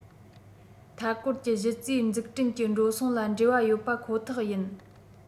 མཐའ སྐོར གྱི གཞི རྩའི འཛུགས སྐྲུན གྱི འགྲོ སོང ལ འབྲེལ བ ཡོད པ ཁོ ཐག ཡིན